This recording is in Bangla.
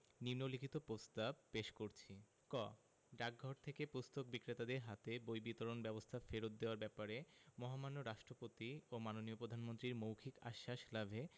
ক ডাকঘর থেকে পুস্তক বিক্রেতাদের হাতে বই বিতরণ ব্যবস্থা ফেরত দেওয়ার ব্যাপারে মহামান্য রাষ্ট্রপতি ও মাননীয় প্রধানমন্ত্রীর মৌখিক আশ্বাস লাভে